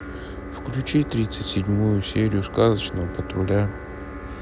включи тридцать седьмую серию сказочного патруля